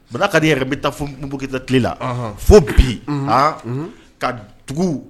Mada ka ni yɛrɛ bɛ taabokeda tile la fo bi a ka dugu